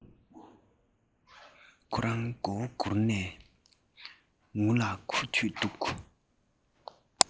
ཁོ རང མགོ བོ སྒུར ནས ངུ ལ ཁད དུ འདུག